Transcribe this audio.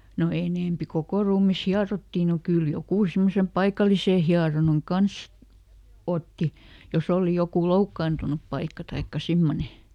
no enempi koko ruumis hierottiin no kyllä joku semmoisen paikallisen hieronnan kanssa otti jos oli joku loukkaantunut paikka tai semmoinen